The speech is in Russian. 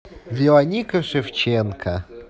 вероника шевченко